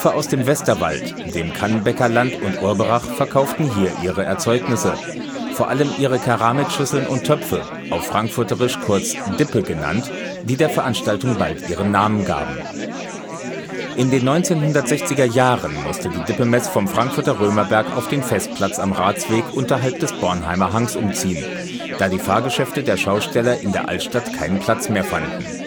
aus dem Westerwald, dem Kannenbäckerland und Urberach verkauften hier ihre Erzeugnisse, vor allem ihre Keramikschüsseln und - töpfe, auf frankfurterisch kurz „ Dippe” genannt, die der Veranstaltung bald ihren Namen gaben. In den 1960er Jahren musste die Dippemess vom Frankfurter Römerberg auf den Festplatz am Ratsweg unterhalb des Bornheimer Hangs umziehen, da die Fahrgeschäfte der Schausteller in der Altstadt keinen Platz mehr fanden